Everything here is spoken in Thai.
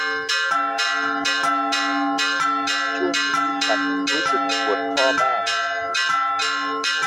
ช่วงนี้ฉันรู้สึกปวดข้อมาก